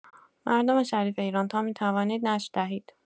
مردم شریف ایران تا می‌توانید نشر دهید